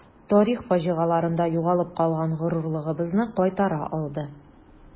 Тарих фаҗигаларында югалып калган горурлыгыбызны кайтара алды.